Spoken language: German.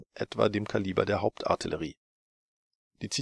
etwa dem Kaliber der Hauptartillerie. Der